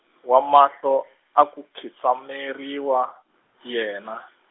wa mahlo, a ku nkhinsameriwa, yena.